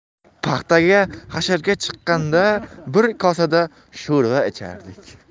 paxtaga hasharga chiqqanda bir kosada sho'rva ichardik